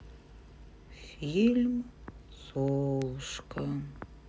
фильм золушка